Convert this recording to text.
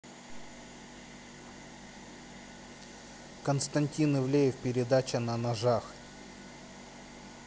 константин ивлеев передача на ножах